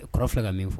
Kɔrɔ filɛ ka min fɔ